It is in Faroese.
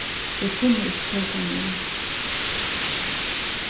vit kunnu ikki tosa nú